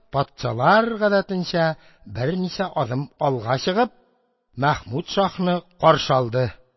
Патшалар гадәтенчә, берничә адым алга чыгып, мәхмүд шаһны каршы алды.